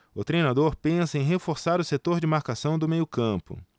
o treinador pensa em reforçar o setor de marcação do meio campo